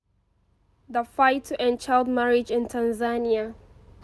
The fight to end child marriage in Tanzania